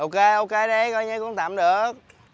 ô kê ô kê đi coi như cũng tạm được